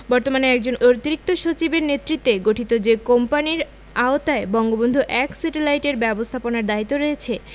বর্তমানে একজন অতিরিক্ত সচিবের নেতৃত্বে গঠিত যে কোম্পানির আওতায় বঙ্গবন্ধু ১ স্যাটেলাইট এর ব্যবস্থাপনার দায়িত্ব রয়েছে